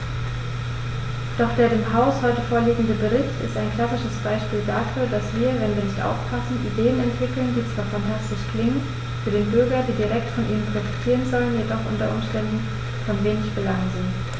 Doch der dem Haus heute vorliegende Bericht ist ein klassisches Beispiel dafür, dass wir, wenn wir nicht aufpassen, Ideen entwickeln, die zwar phantastisch klingen, für die Bürger, die direkt von ihnen profitieren sollen, jedoch u. U. von wenig Belang sind.